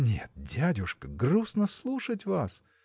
– Нет, дядюшка, грустно слушать вас!